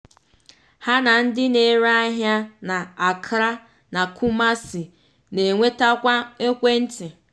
Ha na ndị na-ere ahịa n'Accra na Kumasi na-enwetakwa ekwentị.